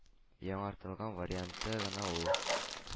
Яңартылган варианты гына ул.